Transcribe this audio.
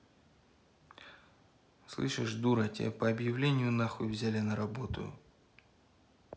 слышишь дура тебе по объявлению на хуй взяли на работу